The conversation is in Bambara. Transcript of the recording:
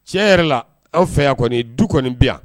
Cɛ yɛrɛ la aw fɛ kɔni du kɔni bi yan